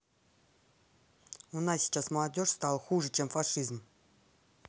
у нас сейчас молодежь стала хуже чем фашизм